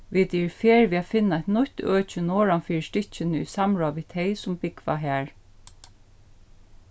vit eru í ferð við at finna eitt nýtt øki norðanfyri stykkini í samráð við tey sum búgva har